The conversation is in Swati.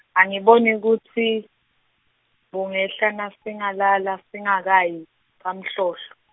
angiboni kutsi, bungehla nasingalala singakayi, kaMhlohlo.